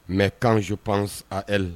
Mais quand je pense à elle